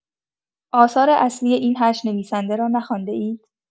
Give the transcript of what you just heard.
آثار اصلی این ۸ نویسنده را نخوانده‌اید؟